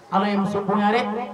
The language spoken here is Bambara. Ala ye musokun